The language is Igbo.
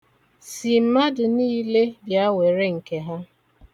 Sị mmadụ niile bịa were nke ha.